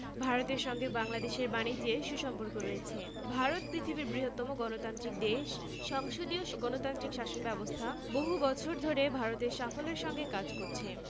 বিশ্বের সর্বোচ্চ পর্বতশৃঙ্গ মাউন্ট এভারেস্ট নেপাল ও চীনের সীমান্ত বরাবর অবস্থিত চীনের জলবায়ু প্রধানত নাতিশীতোষ্ণ তবে দেশটির কোনো কোনো অঞ্চল